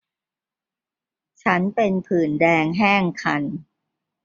ฉันเป็นผื่นแดงแห้งคัน